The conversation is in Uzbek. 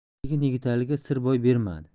lekin yigitaliga sir boy bermadi